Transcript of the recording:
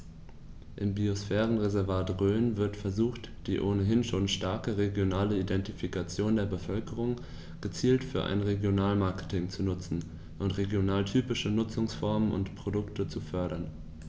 Im Biosphärenreservat Rhön wird versucht, die ohnehin schon starke regionale Identifikation der Bevölkerung gezielt für ein Regionalmarketing zu nutzen und regionaltypische Nutzungsformen und Produkte zu fördern.